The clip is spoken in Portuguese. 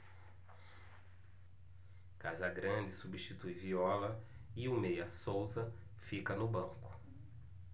casagrande substitui viola e o meia souza fica no banco